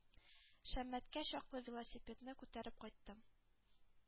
Шәммәткә чаклы велосипедны күтәреп кайттым,